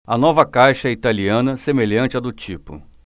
a nova caixa é italiana semelhante à do tipo